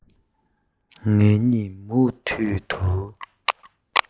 ངེད གཉིས མུ མཐུད དུ